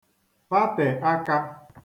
patè akā